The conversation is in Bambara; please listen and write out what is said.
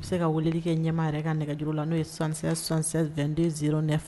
N bɛ se ka wulili kɛ ɲɛmaa yɛrɛ ka nɛgɛjuru la n'o ye sankisɛ sansan2den fɛ